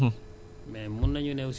mais jiwu bi tamit daf koy jënd rekk